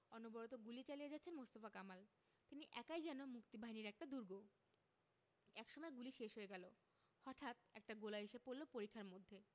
অনবরত গুলি চালিয়ে যাচ্ছেন মোস্তফা কামাল তিনি একাই যেন মুক্তিবাহিনীর একটা দুর্গ একসময় গুলি শেষ হয়ে গেল হটাঠ একটা গোলা এসে পড়ল পরিখার মধ্যে